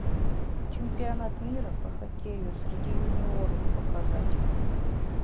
чемпионат мира по хоккею среди юниоров показать